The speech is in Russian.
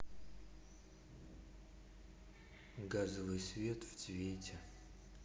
газовый свет в цвете